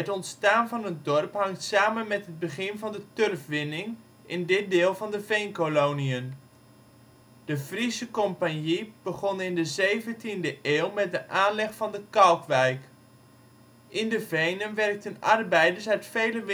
ontstaan van het dorp hangt samen met het begin van de turfwinning in dit deel van de Veenkoloniën. De Friesche Compagnie begon in de zeventiende eeuw met de aanleg van de Kalkwijk. In de venen werkten arbeiders uit vele